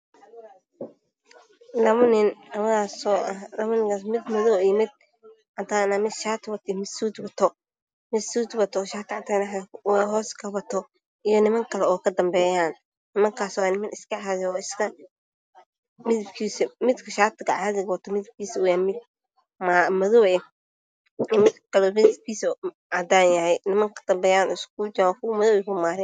Waa labo nin mid shaati wato iyo mid suud wato oo shaati cadaan ah hoos kawato iyo niman kadambeeyo waa niman iska caadi ah. Midka shaatiga caadiga wato midabkiisu waa madow mid kalana uu cadaan yahay.